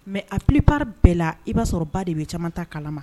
Mɛ a bi pari bɛɛ la i b'a sɔrɔ ba de bɛ caman ta kalama